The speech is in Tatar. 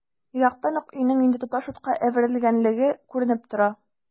Ерактан ук өйнең инде тоташ утка әверелгәнлеге күренеп тора.